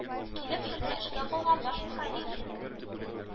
Килеп, шунда эшкә калган, баш мөхәррир